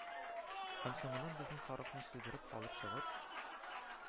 Һәм соңыннан безнең сарыкны суйдырып алып чыгып